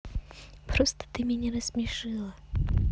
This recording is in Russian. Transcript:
просто ты меня рассмешила